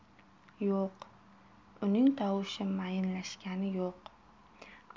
yo'q uning tovushi mayinlashgani yo'q